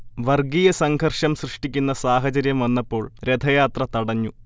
വർഗീയസംഘർഷം സൃഷ്ടിക്കുന്ന സാഹചര്യം വന്നപ്പോൾ രഥയാത്ര തടഞ്ഞു